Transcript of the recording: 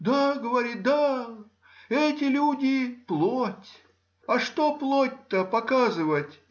— Да,— говорит,— да, эти люди плоть,— а что плоть-то показывать?